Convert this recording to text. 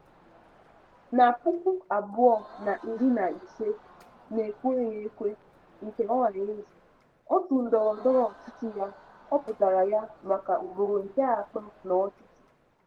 Na 2015, n'ekweghị ekwe nke ọhanaeze, òtù ndọrọndọrọ ọchịchị ya họpụtara ya maka ugboro nke atọ n'ọchịchị.